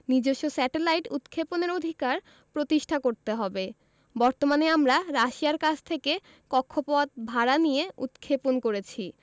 নিজস্ব স্যাটেলাইট উৎক্ষেপণের অধিকার প্রতিষ্ঠা করতে হবে বর্তমানে আমরা রাশিয়ার কাছ থেকে কক্ষপথ ভাড়া নিয়ে উৎক্ষেপণ করেছি